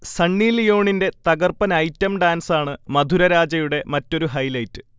സണ്ണി ലിയോണിൻറെ തകർപ്പൻ ഐറ്റം ഡാൻസാണ് മധുരരാജയുടെ മറ്റൊരു ഹൈലൈറ്റ്